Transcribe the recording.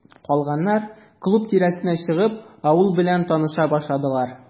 Калганнар, клуб тирәсенә чыгып, авыл белән таныша башладылар.